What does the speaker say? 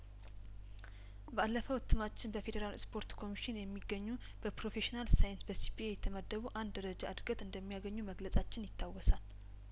ባለፈው እትማችን በፌዴራል እስፖርት ኮሚሽን የሚገኙ በፕሮፌሽናል ሳይንስ በሲፒኤ የተመደቡ አንድ ደረጃ እድገት እንደሚያገኙ መግለጻችን ይታወሳል